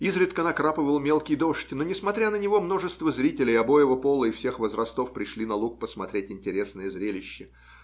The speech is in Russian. Изредка накрапывал мелкий дождь, но, несмотря на него, множество зрителей обоего пола и всех возрастов пришли на луг посмотреть интересное зрелище.